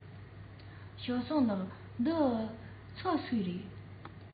ཞའོ སུང ལགས འདི ཚོ སུའི རེད